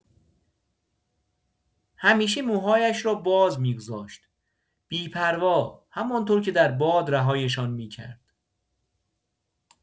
همیشه موهایش را باز می‌گذاشت، بی‌پروا، همان‌طور که در باد رهایشان می‌کرد.